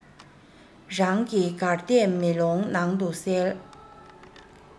རང གིས གར བལྟས མེ ལོང ནང དུ གསལ